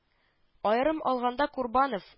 Аерым алганда Курбанов